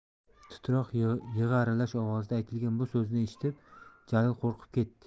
titroq yig'i aralash ovozda aytilgan bu so'zni eshitib jalil qo'rqib ketdi